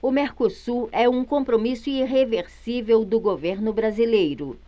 o mercosul é um compromisso irreversível do governo brasileiro